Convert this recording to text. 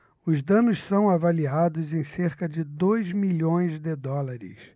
os danos são avaliados em cerca de dois milhões de dólares